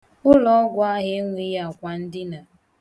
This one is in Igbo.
Ụlọọgwụ ahụ enweghị akwandina.